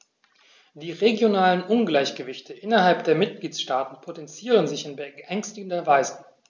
Die regionalen Ungleichgewichte innerhalb der Mitgliedstaaten potenzieren sich in beängstigender Weise.